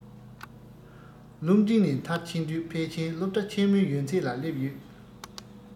སློབ འབྲིང ནས མཐར ཕྱིན དུས ཕལ ཆེར སློབ གྲྭ ཆེན མོའི ཡོན ཚད ལ སླེབས ཡོད